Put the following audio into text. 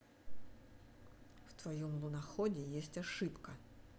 в твоем луноходе есть ошибка